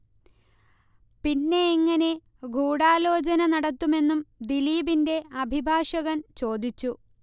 പിന്നെ എങ്ങനെ ഗുഢാലോചന നടത്തുമെന്നും ദിലീപിന്റെ അഭിഭാഷകൻ ചോദിച്ചു